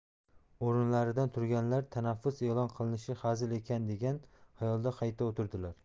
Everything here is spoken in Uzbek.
o'rinlaridan turganlar tanaffus e'lon qilinishi hazil ekan da degan xayolda qayta o'tirdilar